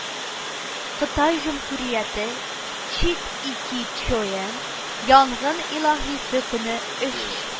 Кытай Җөмһүрияте Чит Ики Тчоэн, янгын илаһисе көне өч